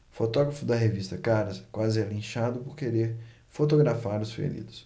fotógrafo da revista caras quase é linchado por querer fotografar os feridos